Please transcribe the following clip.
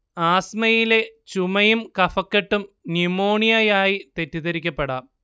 ആസ്മയിലെ ചുമയും കഫക്കെട്ടും ന്യുമോണിയയായി തെറ്റിദ്ധരിക്കപ്പെടാം